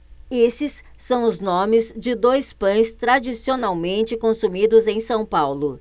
esses são os nomes de dois pães tradicionalmente consumidos em são paulo